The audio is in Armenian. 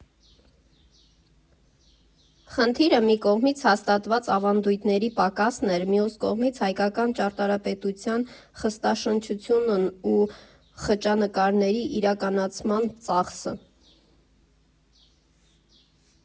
Խնդիրը մի կողմից հաստատված ավանդույթների պակասն էր, մյուս կողմից՝ հայկական ճարտարապետության «խստաշնչությունն» ու խճանկարների իրականացման ծախսը։